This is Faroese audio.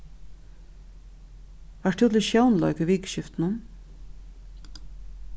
vart tú til sjónleik í vikuskiftinum